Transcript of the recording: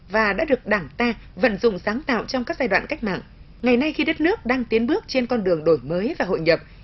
và đã được đảng ta vận dụng sáng tạo trong các giai đoạn cách mạng ngày nay khi đất nước đang tiến bước trên con đường đổi mới và hội nhập